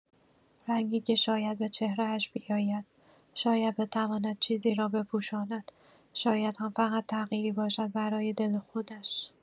رنگی که شاید به چهره‌اش بیاید، شاید بتواند چیزی را بپوشاند، شاید هم فقط تغییری باشد برای دل خودش.